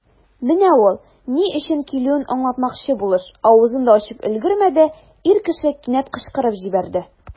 Менә ул, ни өчен килүен аңлатмакчы булыш, авызын да ачып өлгермәде, ир кеше кинәт кычкырып җибәрде.